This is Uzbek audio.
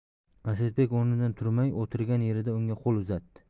asadbek o'rnidan turmay o'tirgan yerida unga qo'l uzatdi